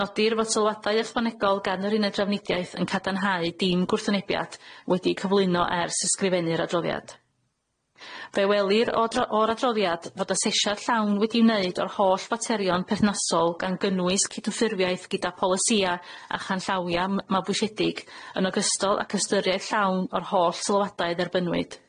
Nodir fod sylwadau ychwanegol gan yr Uned Drefnidiaeth yn cadarnhau dim gwrthwynebiad wedi'i cyflwyno ers ysgrifennu'r adroddiad. Fe welir o dro- o'r adroddiad fod aseshiad llawn wedi'i neud o'r holl faterion perthnasol gan gynnwys cydymffurfiaeth gyda polisia a chanllawia m- mabwyshedig yn ogystal ag ystyriaeth llawn o'r holl sylwadau dderbynwyd.